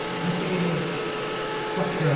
Licio ei gilydd, stopio.